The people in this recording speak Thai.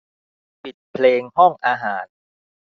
ปิดเพลงห้องอาหาร